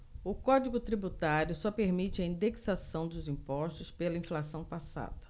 o código tributário só permite a indexação dos impostos pela inflação passada